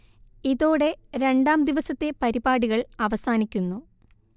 ഇതോടെ രണ്ടാം ദിവസത്തെ പരിപാടികള്‍ അവസാനിക്കുന്നു